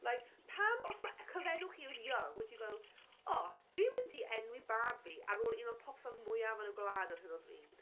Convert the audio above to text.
Like pam os mae cyfenw chi yw Young, would you go" oo fi'n mynd i enwi mab fi ar ôl un o popstars mwyaf yn y gwlad ar hyn bryd?"